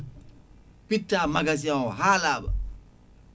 pitta magasin o ha laaɓa